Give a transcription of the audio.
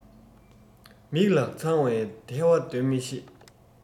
མིག ལ འཚངས པའི ཐལ བ འདོན མི ཤེས